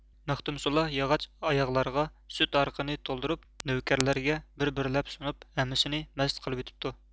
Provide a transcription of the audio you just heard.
مەختۇمسۇلا ياغاچ ئاياغلارغا سۈت ھارىقىنى تولدۇرۇپ نۆۋكەرلەرگە بىر بىرلەپ سۇنۇپ ھەممىسىنى مەست قىلىۋېتىپتۇ